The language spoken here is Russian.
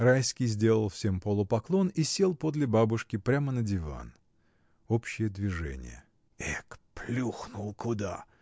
Райский сделал всем полупоклон и сел подле бабушки, прямо на диван. Общее движение. — Эк, плюхнул куда!